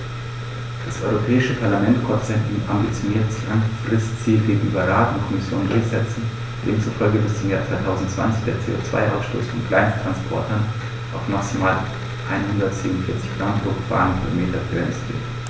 Das Europäische Parlament konnte sein ambitioniertes Langfristziel gegenüber Rat und Kommission durchsetzen, demzufolge bis zum Jahr 2020 der CO2-Ausstoß von Kleinsttransportern auf maximal 147 Gramm pro gefahrenem Kilometer begrenzt wird.